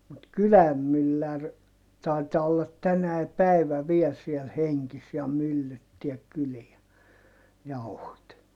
mutta kylän mylläri taitaa olla tänä päivänä vielä siellä hengissä ja myllyttääkin kyliä jauhot